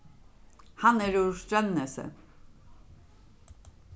hann er úr streymnesi